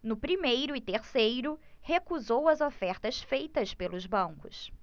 no primeiro e terceiro recusou as ofertas feitas pelos bancos